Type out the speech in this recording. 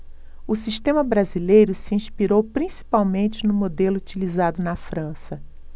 o sistema brasileiro se inspirou principalmente no modelo utilizado na frança